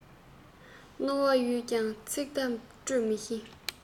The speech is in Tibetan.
རྣ བ ཡོད ཀྱང ཚིག བརྡ སྤྲོད མི ཤེས